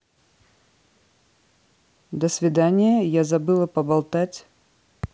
до свидания я забыла поболтать